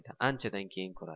anchadan keyin ko'radi